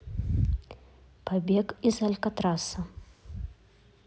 побег из алькатраса